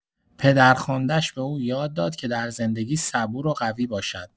پدرخوانده‌اش به او یاد داد که در زندگی صبور و قوی باشد.